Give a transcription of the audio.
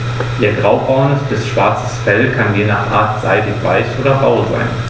Ihr graubraunes bis schwarzes Fell kann je nach Art seidig-weich oder rau sein.